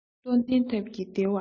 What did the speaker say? བློ ལྡན ཐབས ཀྱིས བདེ བར གསོ